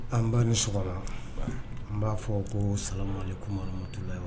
An ba ni sɔgɔma an b'a fɔ ko sama kumamadutula